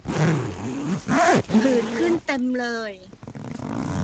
ผื่นขึ้นเต็มเลย